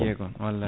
jeegom wallay